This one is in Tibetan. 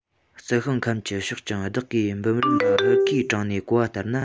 རྩི ཤིང ཁམས ཀྱི ཕྱོགས ཀྱང བདག གིས འབུམ རམས པ ཧུ ཁའི དྲུང ནས གོ བ ལྟར ན